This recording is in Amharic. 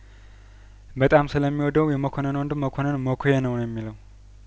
በጣም ስለሚ ወደው የመኮንን ወንድም መኮንንን መኳ ነው የሚለው